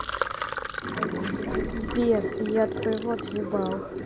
сбер я твой рот ебал